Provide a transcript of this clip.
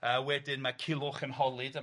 A wedyn mae Culhwch yn holi de